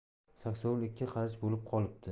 saksovul ikki qarich bo'lib qolibdi